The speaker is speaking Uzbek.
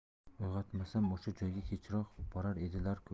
uyg'otmasam o'sha joyga kechroq borar edilar ku